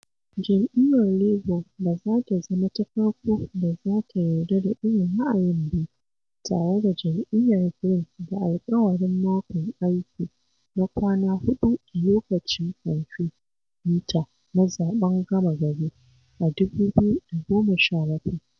Jam'iyyar Labour ba za ta zama ta farko da za ta yarda da irin ra'ayin ba, tare da Jam'iyyar Green da alƙawarin makon aiki na kwana huɗu a lokacin kamfe ɗinta na zaɓen gama-gari a 2017.